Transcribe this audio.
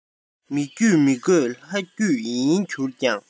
མི རྒྱུད མི དགོས ལྷ རྒྱུད ཡིན གྱུར ཀྱང